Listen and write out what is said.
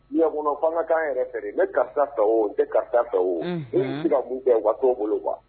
Ɲakɔnɔ fanga ka kanan yɛrɛ fɛ bɛ karisa tɔw n tɛ karisa ta o sira fɛ wa' bolo wa